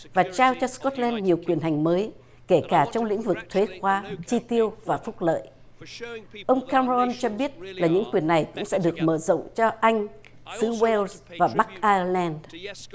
và trao cho sờ cốt len nhiều quyền hành mới kể cả trong lĩnh vực thuế khóa chi tiêu và phúc lợi ông cam mơ rôn cho biết là những quyển này cũng sẽ được mở rộng cho anh xứ gêu và bắc ai len